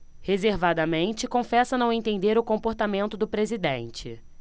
reservadamente confessa não entender o comportamento do presidente